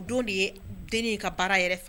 Don de ye dennin ka baara yɛrɛ fɛ